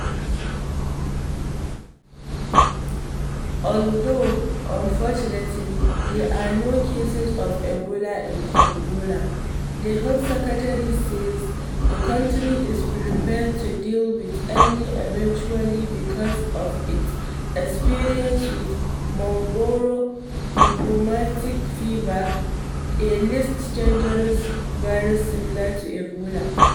Although fortunately there are no cases of Ebola in Angola, the health secretary says the country is prepared to deal with any eventuality because of its experience with Marburg haemorrhagic fever, a less dangerous virus similar to ebola.